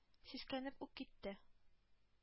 Сискәнеп үк китте: